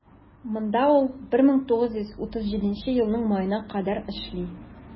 Монда ул 1937 елның маена кадәр эшли.